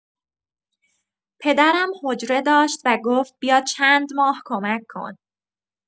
پدرم حجره داشت و گفت بیا چند ماه کمک کن.